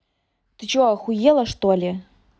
ты че охуела что ли